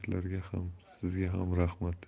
ham sizga ham rahmat